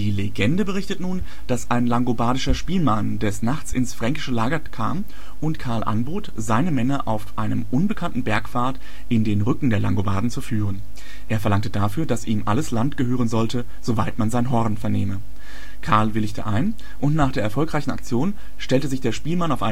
Legende berichtet nun, dass ein langobardischer Spielmann des Nachts ins fränkische Lager kam, und Karl anbot, seine Männer auf einem unbekannten Bergpfad in den Rücken der Langobarden zu führen. Er verlangte dafür, dass ihm alles Land gehören sollte, soweit man sein Horn vernehme. Karl willigte ein, und nach der erfolgreichen Aktion stellte sich der Spielmann auf